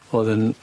O'dd yn